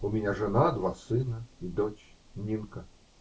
У меня жена, два сына и дочь Нинка.